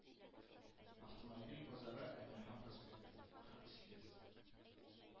Автомобиль базары Әмирхан проспекты, кырык сигез